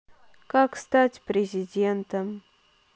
как стать президентом